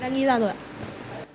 đã nghĩ ra rồi ạ